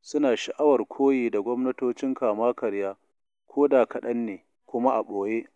suna sha’awar koyi da gwamnatocin kama karya, koda kaɗan ne kuma a ɓoye.